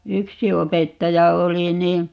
yksi opettaja oli niin